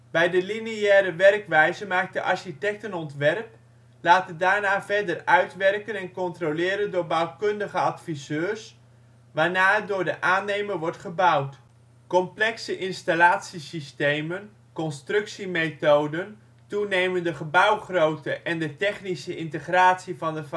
Bij de lineaire werkwijze maakt de architect een ontwerp, laat het daarna verder uitwerken en controleren door bouwkundige adviseurs, waarna het door de aannemer wordt gebouwd. Complexe installatiesystemen, constructiemethoden, toenemende gebouwgrootte en de technische integratie van de